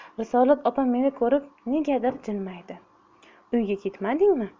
risolat opa meni ko'rib negadir jilmaydi uyga ketmadingmi